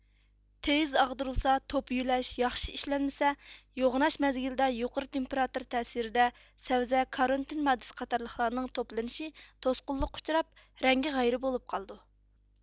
تېيىز ئاغدۇرۇلسا توپا يۆلەش ياخشى ئىشلەنمىسە يوغىناش مەزگىلدە يۇقىرى تېمپېراتۇرا تەسىرىدە سەۋزە كاروتىن ماددىسى قاتارلىقلارنىڭ توپلىنىشى توسقۇنلۇققا ئۇچراپ رەڭگى غەيرىي بولۇپ قالىدۇ